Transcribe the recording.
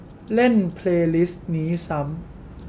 เล่นเพลย์ลิสนี้ซ้ำ